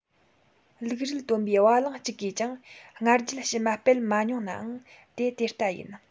རླིག རིལ བཏོན པའི བ གླང གཅིག གིས ཀྱང སྔར རྒྱུད ཕྱི མ སྤེལ མ མྱོང ནའང དེ དེ ལྟ ཡིན